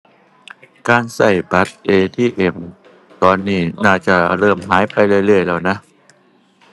การใช้บัตร ATM ตอนนี้น่าจะเริ่มหายไปเรื่อยเรื่อยแล้วนะ